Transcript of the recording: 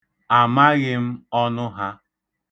Amaghị m ọnụ ha.